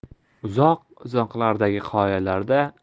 uzoq uzoqlardagi qoyalarda